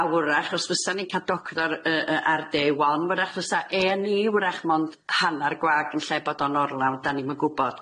A wrach os fysa'n ni'n ca'l doctor yy yy ar day one, wrach fysa Ay an' Ee wrach mond hannar gwag yn lle bod o'n orlawn, 'dan ni'm yn gwbod.